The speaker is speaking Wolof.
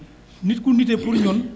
nit ku nite xullinam